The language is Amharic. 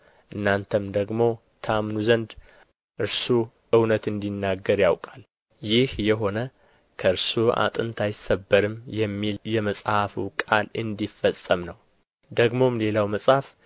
እናንተም ደግሞ ታምኑ ዘንድ እርሱ እውነት እንዲናገር ያውቃል ይህ የሆነ ከእርሱ አጥንት አይሰበርም የሚል የመጽሐፉ ቃል እንዲፈጸም ነው ደግሞም ሌላው መጽሐፍ